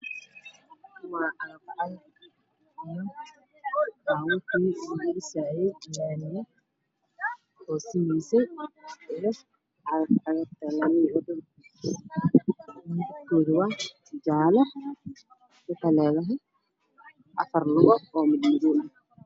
Waxaa ii muuqda laami la dhisaayo waxaa joogo labo cagaf cagaf midabkoodu yahay jaallo laamiga dhisme ayaa ku socda